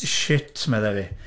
Shit, meddai fi.